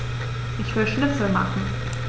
Ich will Schnitzel machen.